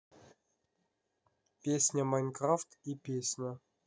песня майнкрафт и песня